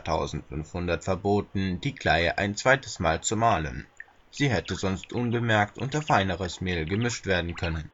1500 verboten, die Kleie ein zweites Mal zu mahlen – sie hätte sonst unbemerkt unter feineres Mehl gemischt werden können.